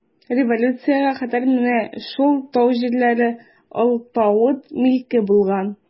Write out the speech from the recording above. Революциягә кадәр менә шул тау җирләре алпавыт милке булган.